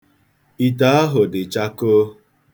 Ite ahụ dị chakoo.